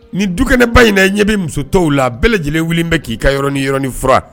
Nin dukɛnɛba in na ɲɛ bɛ musotɔ la bɛɛ lajɛlenw bɛ k'i ka yɔrɔ niɔrɔnin fura